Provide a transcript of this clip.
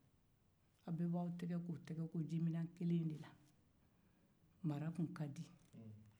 a beɛ b'aw tɛgɛ ko jimnɛn kelen in de la mara tun ka di